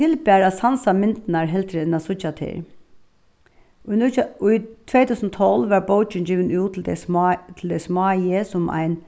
til bar at sansa myndirnar heldur enn at síggja tær í í tvey túsund og tólv varð bókin givin út til tey til tey smáu sum ein